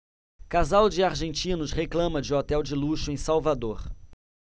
casal de argentinos reclama de hotel de luxo em salvador